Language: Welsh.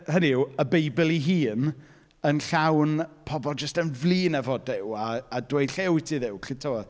Hynny yw, y Beibl ei hun, yn llawn pobl jyst yn flin efo Duw a a dweud, "lle wyt ti Dduw? Lle." Tibod?